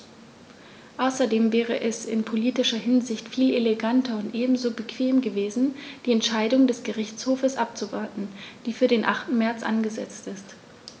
Außerdem wäre es in politischer Hinsicht viel eleganter und ebenso bequem gewesen, die Entscheidung des Gerichtshofs abzuwarten, die für den 8. März angesetzt ist.